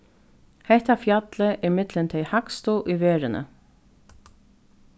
hetta fjallið er millum tey hægstu í verðini